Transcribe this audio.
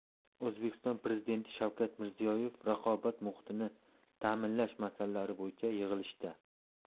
o'zbekiston prezidenti shavkat mirziyoyev raqobat muhitini ta'minlash masalalari bo'yicha yig'ilishda